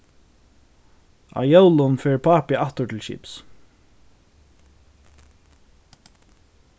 á jólum fer pápi aftur til skips